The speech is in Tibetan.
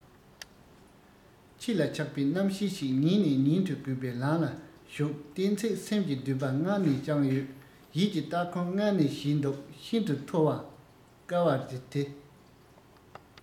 ཁྱེད ལ ཆགས པའི རྣམ ཤེས ཤིག ཉིན ནས ཉིན དུ རྒུད པའི ལམ ལ ཞུགས གཏན ཚིགས སེམས ཀྱི འདུན པ སྔར ནས བཅངས ཡོད ཡིད ཀྱི སྟ གོན སྔར ནས བྱས འདུག ཤིན ཏུ ཐོབ དཀའ བ དེ